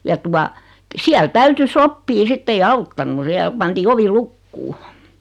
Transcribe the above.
ja tuota siellä täytyy sopia sitten ei auttanut siellä pantiin ovi lukkoon